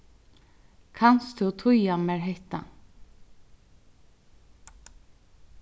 kanst tú týða mær hetta